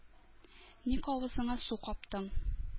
Ник авызыңа су каптың?